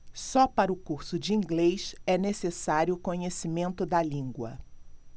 só para o curso de inglês é necessário conhecimento da língua